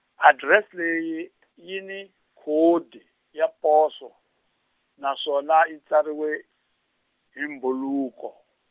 adirese leyi yi ni khodi ya poso, naswona yi tsariwa h-, hi mbhuluko.